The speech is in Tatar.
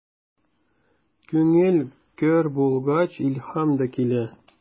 Күңел көр булгач, илһам да килә.